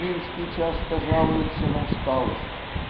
Минский часто жалуется на усталость